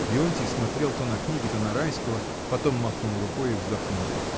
— Леонтий смотрел то на книги, то на Райского, потом махнул рукой и вздохнул.